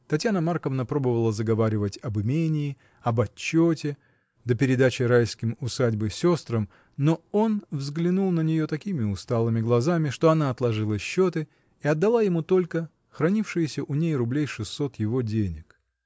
Татьяна Марковна пробовала заговаривать об имении, об отчете, до передачи Райским усадьбы сестрам, но он взглянул на нее такими усталыми глазами, что она отложила счеты и отдала ему только хранившиеся у ней рублей шестьсот его денег.